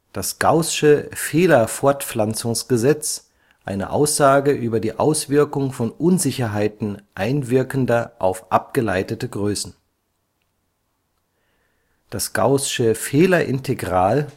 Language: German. das gaußsche Fehlerfortpflanzungsgesetz, eine Aussage über die Auswirkung von Unsicherheiten einwirkender auf abgeleitete Größen das gaußsche Fehlerintegral